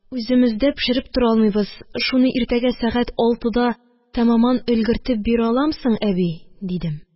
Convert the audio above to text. Үземездә пешереп тора алмыйбыз, шуны иртәгә сәгать алтыда тәмамән өлгертеп бирә аламсың, әби? – дидем.